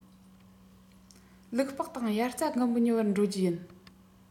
ལུག པགས དང དབྱར རྩྭ དགུན འབུ ཉོ བར འགྲོ རྒྱུ ཡིན